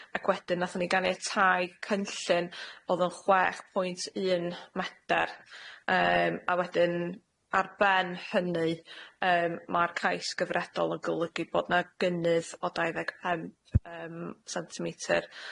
ac wedyn nathon ni ganiatáu cynllun o'dd yn chwech pwynt un meder, yym a wedyn ar ben hynny yym ma'r cais gyfredol yn golygu bod 'na gynnydd o dau ddeg pemp yym centimeter.